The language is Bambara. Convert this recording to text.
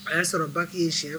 A ya sɔrɔ Bac ye siɲɛ